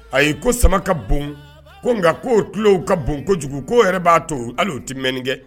Ayi ko sama ka bon . No nga ko kulo ka bon kojugu ko yɛrɛ ba to hali o tɛ mɛn ni kɛ.